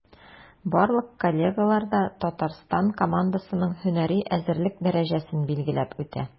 Барлык коллегалар да Татарстан командасының һөнәри әзерлек дәрәҗәсен билгеләп үтә.